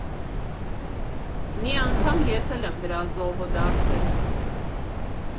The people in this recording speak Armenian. Մի անգամ ես էլ եմ դրա զոհը դարձել։